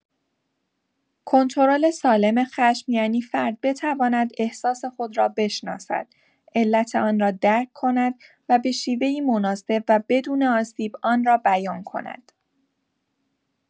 کنترل سالم خشم یعنی فرد بتواند احساس خود را بشناسد، علت آن را درک کند و به شیوه‌ای مناسب و بدون آسیب آن را بیان کند.